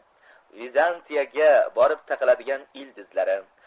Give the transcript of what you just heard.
vizantiyaga borib taqaladigan ildizlari